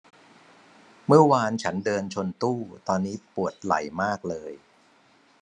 เมื่อวานฉันเดินชนตู้ตอนนี้ปวดไหล่มากเลย